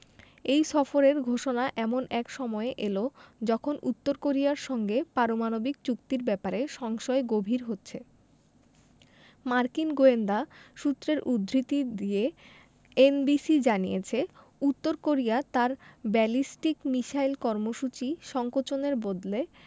এই সফরের ঘোষণা এমন এক সময়ে এল যখন উত্তর কোরিয়ার সঙ্গে পারমাণবিক চুক্তির ব্যাপারে সংশয় গভীর হচ্ছে মার্কিন গোয়েন্দা সূত্রের উদ্ধৃতি দিয়ে এনবিসি জানিয়েছে উত্তর কোরিয়া তার ব্যালিস্টিক মিসাইল কর্মসূচি সংকোচনের বদলে